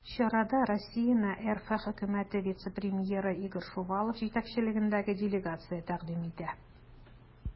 Чарада Россияне РФ Хөкүмәте вице-премьеры Игорь Шувалов җитәкчелегендәге делегация тәкъдим итә.